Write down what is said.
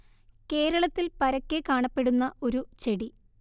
കേരളത്തിൽ പരക്കെ കാണപ്പെടുന്ന ഒരു ചെടി